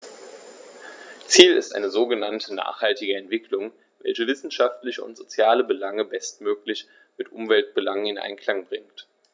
Ziel ist eine sogenannte nachhaltige Entwicklung, welche wirtschaftliche und soziale Belange bestmöglich mit Umweltbelangen in Einklang bringt.